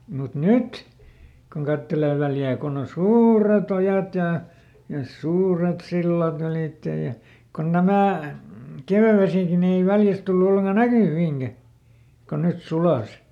mutta nyt kun katselee Väljää kun on suuret ojat ja ja suuret sillat ylitse ja kun nämä kevätvesikin niin ei Väljässä tullut ollenkaan näkyviinkään kun ne suli